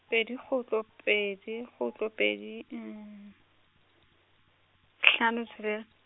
pedi kgutlo pedi, kgutlo pedi, hlano tshelela.